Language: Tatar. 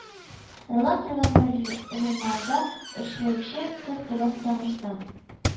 Рыла торган бер журналда эшләүче кыз белән таныштым